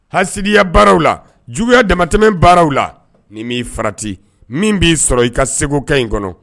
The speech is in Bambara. Hasidiya baaraw la, juguya damatɛmɛ baaraw la , n'i m'i farati min b'i sɔrɔ, i ka se ko kɛ in kɔnɔ,